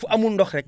fu amul ndox rek